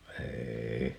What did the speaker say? ei